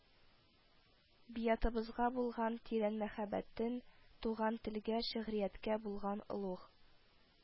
Биятыбызга булган тирән мәхәббәтен, туган телгә, шигърияткә булган олуг